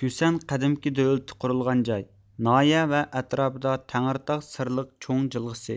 كۈسەن قەدىمكى دۆلىتى قۇرۇلغان جاي ناھىيە ۋە ئەتراپىدا تەڭرىتاغ سىرلىق چوڭ جىلغىسى